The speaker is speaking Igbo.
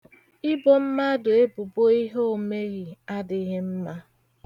Ibo mmadụ ebubo ihe o meghị adịghị mma.